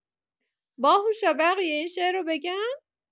باهوشا بقیه این شعر رو بگن.